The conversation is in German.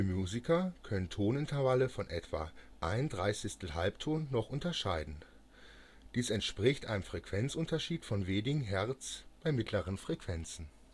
Musiker können Tonintervalle von etwa 1/30 Halbton noch unterscheiden. Dies entspricht einem Frequenzunterschied von wenigen Hz bei mittleren Frequenzen